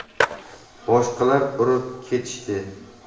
boshqalar urib ketishdi